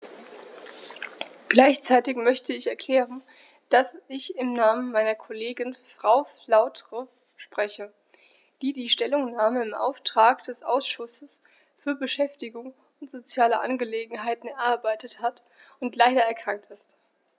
Gleichzeitig möchte ich erklären, dass ich im Namen meiner Kollegin Frau Flautre spreche, die die Stellungnahme im Auftrag des Ausschusses für Beschäftigung und soziale Angelegenheiten erarbeitet hat und leider erkrankt ist.